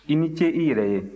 i ni ce i yɛrɛ ye